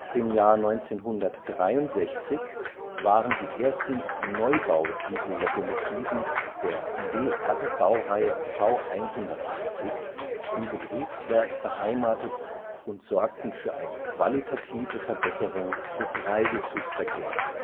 dem Jahr 1963 waren die ersten Neubaudiesellokomotiven der DR-Baureihe V 180 im Betriebswerk beheimatet und sorgten für eine qualitative Verbesserung des Reisezugverkehrs